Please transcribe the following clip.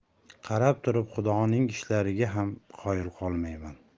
qarab turib xudoning ishlariga ham qoyil qolmayman